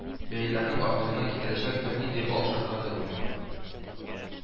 Бәяләрнең артуына китерәчәк бернинди алшартлар да күрмим